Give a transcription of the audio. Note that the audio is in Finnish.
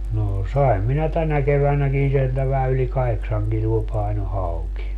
no sain minä tänä keväänäkin sieltä vähän yli kahdeksan kiloa painoi hauki